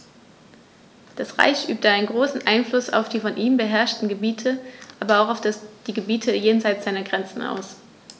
Das Reich übte einen großen Einfluss auf die von ihm beherrschten Gebiete, aber auch auf die Gebiete jenseits seiner Grenzen aus.